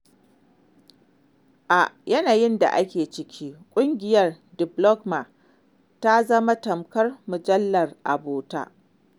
A yanayin da ake ciki, Ƙungiyar the Blogma ta zama tamkar mujallar abota.